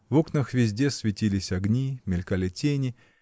В окнах везде светились огни, мелькали тени.